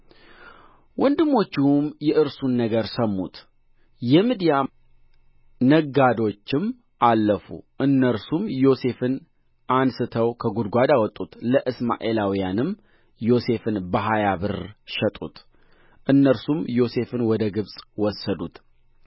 ወንድሞቹም የእርሱን ነገር ሰሙት የምድያም ነጋዶችም አለፉ እነርሱም ዮሴፍን አንሥተው ከጕድጓድ አወጡት ለእስማኤላውያንም ዮሴፍን በሀያ ብር ሸጡት እነርሱም ዮሴፍን ወደ ግብፅ ወሰዱት